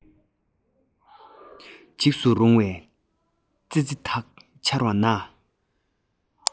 འཇིགས སུ རུང བའི ཙི ཙི དག འཆར བ ན